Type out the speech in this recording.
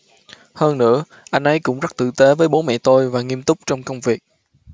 hơn nữa anh ấy cũng rất tử tế với bố mẹ tôi và nghiêm túc trong công việc